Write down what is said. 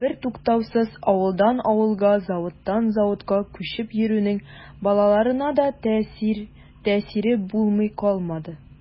Бертуктаусыз авылдан авылга, заводтан заводка күчеп йөрүнең балаларына да тәэсире булмый калмады.